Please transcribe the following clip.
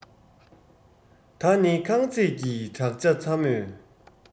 ད ནི ཁང བརྩེགས ཀྱི བྲག ཅ ཚ མོས